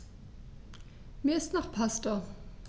Mir ist nach Pasta.